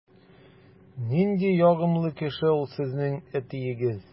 Нинди ягымлы кеше ул сезнең әтиегез!